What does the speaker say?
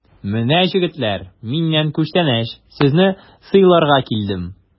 Менә, җегетләр, миннән күчтәнәч, сезне сыйларга килдем!